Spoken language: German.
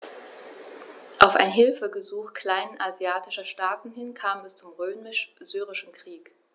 Auf ein Hilfegesuch kleinasiatischer Staaten hin kam es zum Römisch-Syrischen Krieg.